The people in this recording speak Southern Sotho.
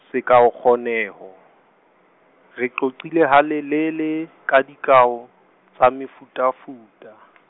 sekaokgoneho, re qoqile halelele ka dikao tsa mefutafuta .